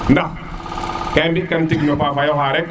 ndax ga i mbi kan tig no pafayo xa rek